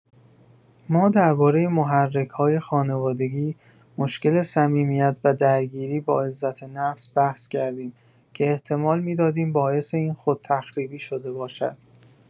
ما درباره محرک‌های خانوادگی، مشکل صمیمیت و درگیری با عزت‌نفس بحث کردیم که احتمال می‌دادیم باعث این خودتخریبی شده باشد.